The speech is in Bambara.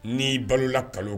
Ni balola kalo